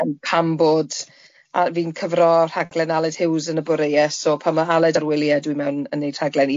...yym pam bod, a- fi'n cyfro rhaglen Aled Hughes yn y boreue so pan ma Aled ar wyliau dwi mewn yn wneud rhagleni